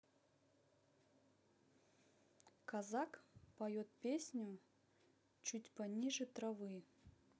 казак поет песню чуть пониже травы